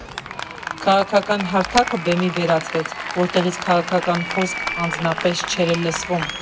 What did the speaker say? Քաղաքական հարթակը բեմի վերածվեց, որտեղից քաղաքական խոսք առանձնապես չէր էլ լսվում։